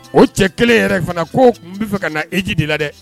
O cɛ kelen yɛrɛ in fana ko n b'a fɛ ka na eji de la dɛ